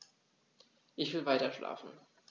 Ich will weiterschlafen.